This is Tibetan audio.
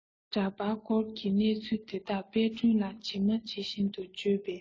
འདྲ པར བསྐོར གྱི གནས ཚུལ དེ དག དཔལ སྒྲོན ལ ཇི མ ཇི བཞིན དུ བརྗོད པས